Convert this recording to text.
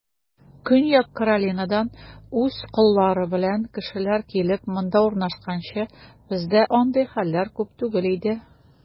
Көньяк Каролинадан үз коллары белән кешеләр килеп, монда урнашканчы, бездә андый хәлләр күп түгел иде.